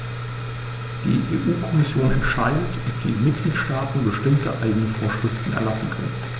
Die EU-Kommission entscheidet, ob die Mitgliedstaaten bestimmte eigene Vorschriften erlassen können.